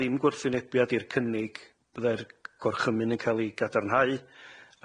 ddim gwrthwynebiad i'r cynnig bydde'r c- gorchymyn yn ca'l i gadarnhau